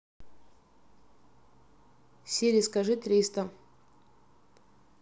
сири скажи триста